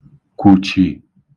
kwùchì